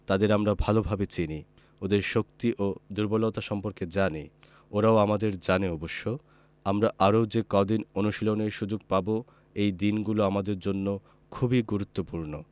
তাদের আমরা ভালোভাবে চিনি ওদের শক্তি ও দুর্বলতা সম্পর্কে জানি ওরাও আমাদের জানে অবশ্য আমরা আরও যে কদিন অনুশীলনের সুযোগ পাব এই দিনগুলো আমাদের জন্য খুবই গুরুত্বপূর্ণ